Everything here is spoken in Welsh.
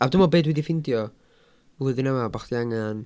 A dwi'n meddwl be dwi 'di ffeindio, flwyddyn yma bod chdi angen...